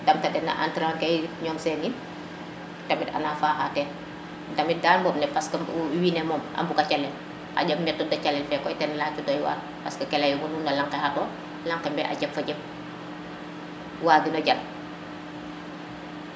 ndam ta den no entrant ke yin kene yin ñom seni tamit ana faxa ten ndamit dal ɓoɓ ne parce que wine moom a mbuga calel xaƴa niak calel fe koy ten yacu doy waar parce ke leyo guma lang ke xator lang ke ka jeg fojem wagino jal